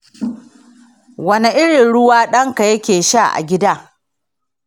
wani irin ruwa ɗan ka yake sha a gida?